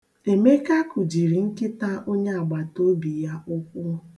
Emeka kụjiri nkịta onye agbataobi ya ụkwụ.